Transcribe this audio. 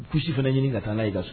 Kusi fana ɲini ka taa n'a ka so